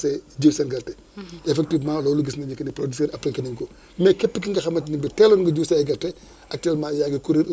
bon tey ci guddi mën nañu am taw mais même bu ñu am tamit taw xëy na yu ndaw lay nekk quoi mais daal suba ak gannaaw suba jàpp leen ni incha allah ndox dina ama bu soobee yàlla